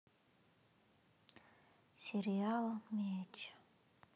сериал меч